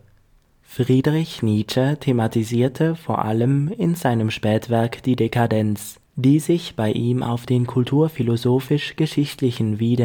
Friedrich Nietzsche thematisierte vor allem in seinem Spätwerk die Dekadenz, die sich bei ihm auf den kulturphilosophisch-geschichtlichen wie